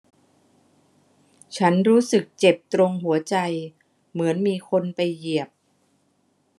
ฉันรู้สึกเจ็บตรงหัวใจเหมือนมีคนไปเหยียบ